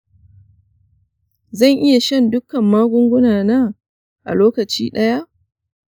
zan iya shan dukkan magunguna na a lokaci ɗaya?